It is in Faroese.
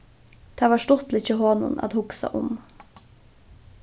tað var stuttligt hjá honum at hugsa um